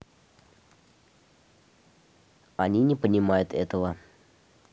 они не понимают этого